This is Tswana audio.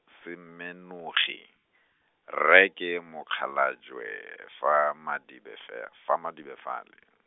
Semenogi, rre ke Mokgalajwe fa Madibe fe-, fa Madibe fale.